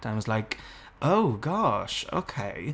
And I was like: "Oh, gosh ok.